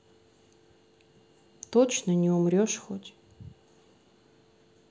точно не умрешь хоть